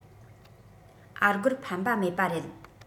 ཨ སྒོར ཕན པ མེད པ རེད